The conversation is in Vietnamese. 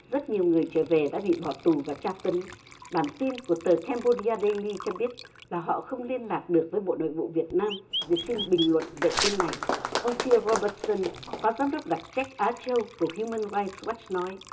rất nhiều người trở về đã bị bỏ tù và tra tấn bản tin của tờ cam pu đi a đê li cho biết là họ không liên lạc được với bộ nội vụ việt nam để xin bình luận về tin này ông phi a rô bớt sơn phó giám đốc đặc trách á châu của hiu mừn rai goát nói